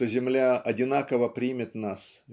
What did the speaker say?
что земля одинаково примет нас